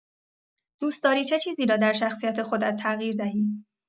دوست‌داری چه چیزی را در شخصیت خودت تغییر دهی؟